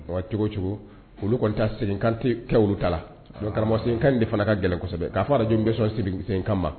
Cogo o cogo, olu kɔni ta seginkan tɛ kɛ olu ta la karamɔgɔ seginkan de fana ka gɛlɛn kosɛbɛ k'a fɔ arajo min bɛ sɔn siginkan ma